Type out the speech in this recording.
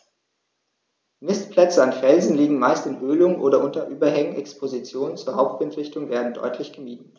Nistplätze an Felsen liegen meist in Höhlungen oder unter Überhängen, Expositionen zur Hauptwindrichtung werden deutlich gemieden.